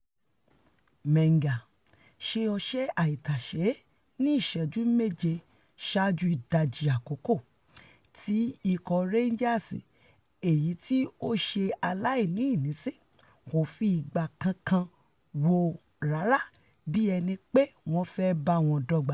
Menga ṣe ọṣẹ́ àìtàṣe ní ìṣẹ́jú méje saájú ìdajì-àkókò tí ikọ̀ Rangers èyití ó ṣe aláìní ìnísí kòfi ìgbà kankan wò rárá bí ẹnipé wọ́n fẹ́ báwọn dọ́gba.